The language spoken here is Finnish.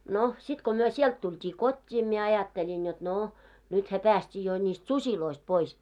no sitten kun me sieltä tultiin kotiin minä ajattelin jotta no nythän päästiin jo niistä susista pois